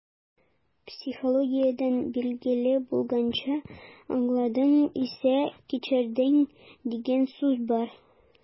Психологиядән билгеле булганча, «аңладың исә - кичердең» дигән сүз бар.